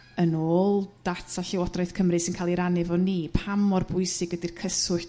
yn ôl data llywodraeth Cymru sy'n cael 'i rannu 'fo ni pam mor bwysig ydi'r cyswllt